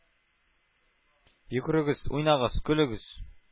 Йөгрегез, уйнагыз, көлегез!